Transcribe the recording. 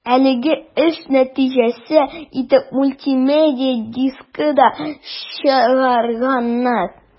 Әлеге эш нәтиҗәсе итеп мультимедия дискы да чыгарганнар.